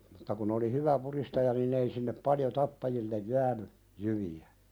mutta kun oli hyvä pudistaja niin ei sinne paljon tappajille jäänyt jyviä